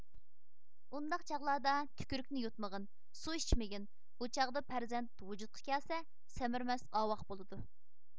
ئۇنداق چاغلاردا تۈكۈرۈكنى يۇتمىغىن سۇ ئىچمىگىن بۇچاغدا پەرزەنت ۋۇجۇدقا كەلسە سەمرىمەس ئاۋاق بولىدۇ